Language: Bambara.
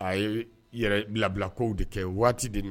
A y'i yɛrɛ bila bilabilkow de kɛ waati de na